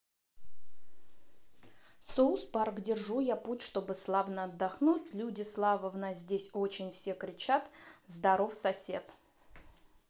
соус парк держу я путь чтобы славно отдохнуть люди славовна здесь очень все кричат здаров сосед